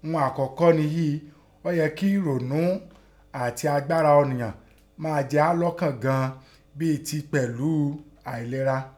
Ihun àkọ́kọ́ ni íi, ọ́ yẹ kẹ́ ẹ̀rònú àtẹ agbára ọ̀ǹyàn máa jẹ há lọ́kàn gan an bẹ́ẹ tẹ pẹ̀lú àrẹ̀lera.